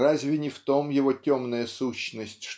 разве не в том его темная сущность